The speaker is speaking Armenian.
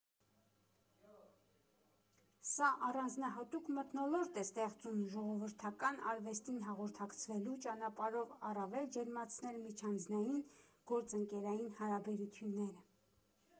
Սա առանձնահատուկ մթնոլորտ է ստեղծում ժողովրդական արվեստին հաղորդակցվելու ճանապարհով առավել ջերմացնել միջանձնային, գործընկերային հարաբերությունները։